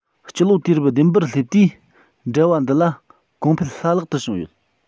སྤྱི ལོ དུས རབས བདུན པར སླེབས དུས འབྲེལ བ འདི ལ གོང འཕེལ བླ ལྷག ཏུ བྱུང ཡོད